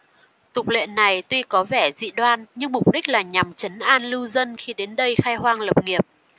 tục lệ này tuy có vẻ dị đoan nhưng mục đích là nhằm trấn an lưu dân khi đến đây khai hoang lập nghiệp